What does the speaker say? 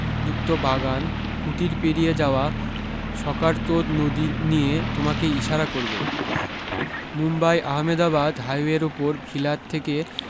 যুক্ত বাগান কুটির পেরিয়ে যাওয়া সকারতোদ নদী নিয়ে তোমাকে ইশারা করবে মুম্বাই আহমেদাবাদ হাইওয়ের উপর ভিলাদ থেকে